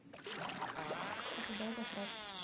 задай вопрос